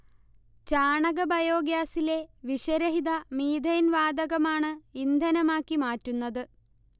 ചാണക ബയോഗ്യാസിലെ വിഷരഹിത മീഥെയ്ൻ വാതകമാണ് ഇന്ധനമാക്കി മാറ്റുന്നത്